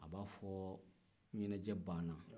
a b'a fɔ ɲɛnajɛ banna